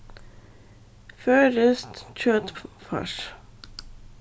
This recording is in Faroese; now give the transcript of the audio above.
føroyskt kjøtfars